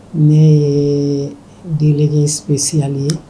Ne ye dielegesiyali ye